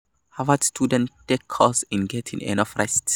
Harvard students take course in getting enough rest